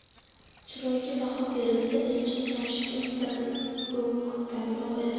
chiroyga baho berilsa elchin jamshidga nisbatan o'ktamroq edi